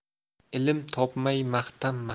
ilm topmay maqtanma